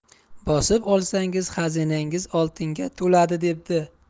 bosib olsangiz xazinangiz oltinga to'ladi debdi